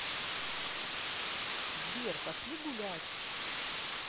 сбер пошли гулять